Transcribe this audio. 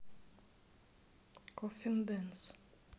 коффин дэнс